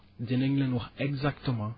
dinañ leen wax exactement